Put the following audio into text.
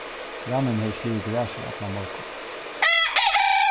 grannin hevur sligið gras í allan morgun